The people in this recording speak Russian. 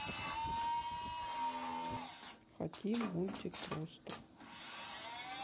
хотим мультик просто